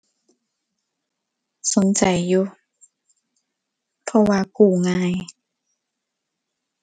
สนใจอยู่ เพราะว่ากู้ง่าย